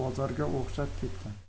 bozorga o'xshab ketgan